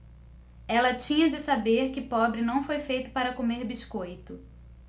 ela tinha de saber que pobre não foi feito para comer biscoito